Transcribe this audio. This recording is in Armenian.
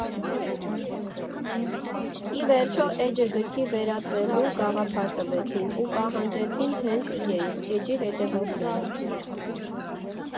Ի վերջո, էջը գրքի վերածելու գաղափար տվեցին ու պահանջեցին հենց իրենք՝ էջի հետևորդները։